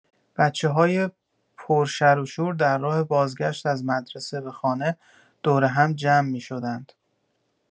بچه‌های پرشروشور در راه بازگشت از مدرسه به خانه، دور هم جمع می‌شدند.